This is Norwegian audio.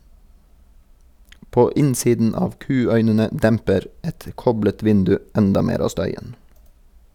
På innsiden av kuøynene demper et koblet vindu enda mer av støyen.